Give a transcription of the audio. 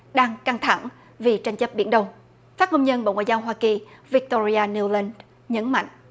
đang căng thẳng vì tranh chấp biển đông phát ngôn nhân bộ ngoại giao hoa kỳ víc to ri a niu lân nhấn mạnh